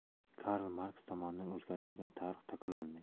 karl marks tomonidan o'zgartirilgan tarix takrorlanmaydi